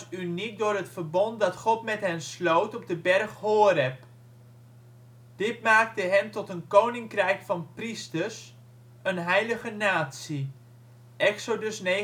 uniek door het verbond dat God met hen sloot bij de berg Horeb. Dit maakte hen tot een " koninkrijk van priesters, een heilige natie ". (Exodus 19:6